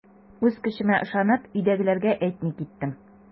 Үз көчемә ышанып, өйдәгеләргә әйтми киттем.